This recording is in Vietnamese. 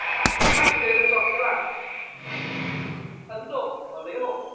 hai chủ đề lựa chọn sẽ là ấn độ và lễ hội